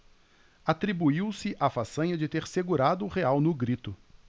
atribuiu-se a façanha de ter segurado o real no grito